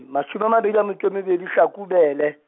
mashome a mabedi a metso e mebedi Hlakubele.